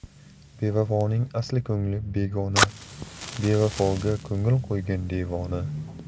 bevafoning asli ko'ngli begona bevafoga ko'ngil qo'ygan devona